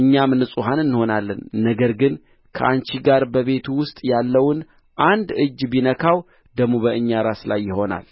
እኛም ንጹሐን እንሆናለን ነገር ግን ከአንቺ ጋር በቤቱ ውስጥ ያለውን አንድ እጅ ቢነካው ደሙ በእኛ ራስ ላይ ይሆናል